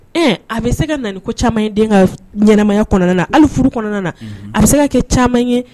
Ɛ a bɛ se ka naani ko caman in denkɛ ka ɲɛnaɛnɛmaya kɔnɔna na ali furu kɔnɔna na a bɛ se ka kɛ caman ye